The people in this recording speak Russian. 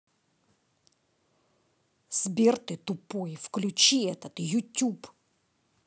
сбер ты тупой включи этот youtube